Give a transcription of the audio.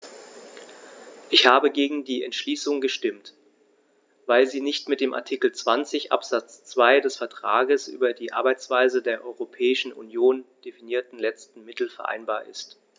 Ich habe gegen die Entschließung gestimmt, weil sie nicht mit dem in Artikel 20 Absatz 2 des Vertrags über die Arbeitsweise der Europäischen Union definierten letzten Mittel vereinbar ist.